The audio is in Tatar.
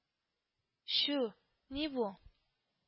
Чү, ни бу